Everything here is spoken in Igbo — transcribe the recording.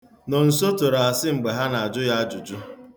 Nọnso tụrụ asị mgbe ha na-ajụ ya ajụjụ.